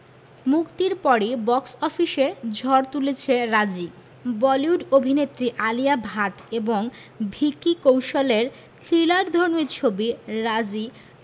মুক্তির পরই বক্স অফিসে ঝড় তুলেছে রাজি বলিউড অভিনেত্রী আলিয়া ভাট এবং ভিকি কৌশলের থ্রিলারধর্মী ছবি রাজী